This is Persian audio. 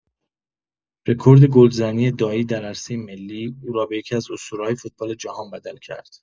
رکورد گلزنی دایی در عرصه ملی، او را به یکی‌از اسطوره‌های فوتبال جهان بدل کرد.